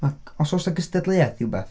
Ac os oes 'na gystadleuaeth i rywbeth.